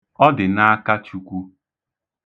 Ọdị̀nakachūkwū